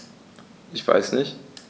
Ich weiß nicht.